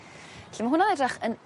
'Lly ma' hwnna edrych yn